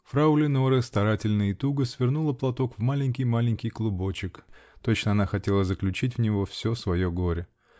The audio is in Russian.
-- Фрау Леноре старательно и туго свернула платок в маленький-маленький клубочек, точно она хотела заключить в него все свое горе.